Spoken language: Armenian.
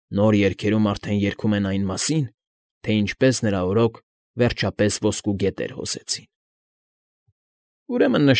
Նոր երգերում արդեն երգում են այն մասին, թե ինչպես նրա օրոք, վերջապես, ոսկու գետեր հոսեցին։ ֊ Ուրեմն ,